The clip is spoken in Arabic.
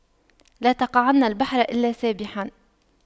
لا تقعن البحر إلا سابحا